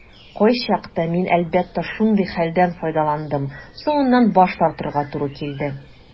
Кайчакта мин, әлбәттә, шундый хәлдән файдаландым - соңыннан баш тартырга туры килде.